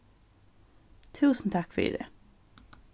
túsund takk fyri